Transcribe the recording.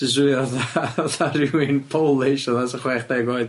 Sy'n swnio fatha fatha rywun Polish chwechdeg oed.